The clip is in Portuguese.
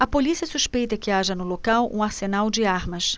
a polícia suspeita que haja no local um arsenal de armas